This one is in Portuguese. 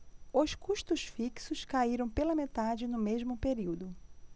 os custos fixos caíram pela metade no mesmo período